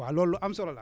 waa loolu lu am solo la